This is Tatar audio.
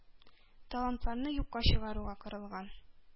Талантларны юкка чыгаруга корылган.